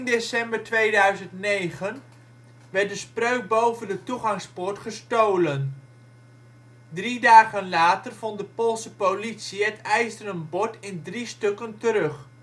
december 2009 werd de spreuk boven de toegangspoort gestolen. Drie dagen later vond de Poolse politie het ijzeren bord in drie stukken terug